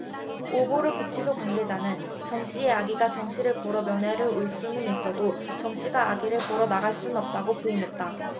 올보르 구치소 관계자는 정 씨의 아기가 정 씨를 보러 면회를 올 수는 있어도 정 씨가 아기를 보러 나갈 수는 없다고 부인했다